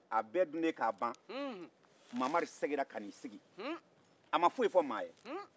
a bɛɛ dun ne k'a ban mamari seginna ka n'i sigi a ma foyi fɔ maa ye